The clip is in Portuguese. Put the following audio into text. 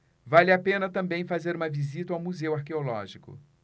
vale a pena também fazer uma visita ao museu arqueológico